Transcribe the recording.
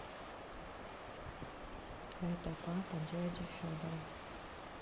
это папа дяди федора